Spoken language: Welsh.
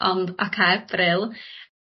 ond oce brill.